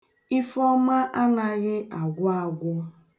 Ifeọma anaghị agwụ agwụ.